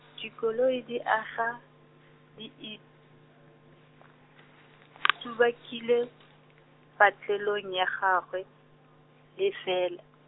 dikoloi di aga, di i tubakile, patlelo ya gagwe, lefela.